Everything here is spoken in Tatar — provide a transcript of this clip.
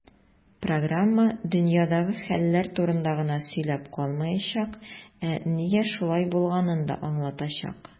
Программа "дөньядагы хәлләр турында гына сөйләп калмаячак, ә нигә шулай булганын да аңлатачак".